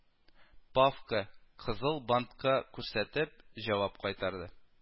Павка, кызыл бантка күрсәтеп, җавап кайтарды: